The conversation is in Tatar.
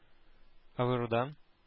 Авырудан